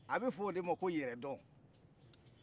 a bi fɔ de ma ko yɛrɛ dɔn